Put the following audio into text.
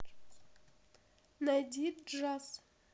найди джаз